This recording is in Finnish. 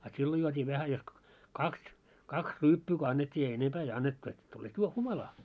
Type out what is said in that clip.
a silloin juotiin vähän jos - kaksi kaksi ryyppyä kun annettiin ei enempää ei annettu että tulet - humalaan